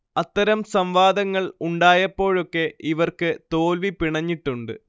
അത്തരം സംവാദങ്ങൾ ഉണ്ടായപ്പോഴൊക്കെ ഇവർക്ക് തോൽവി പിണഞ്ഞിട്ടുണ്ട്